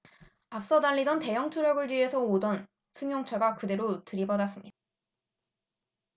앞서 달리던 대형 트럭을 뒤에서 오던 승용차가 그대로 들이받습니다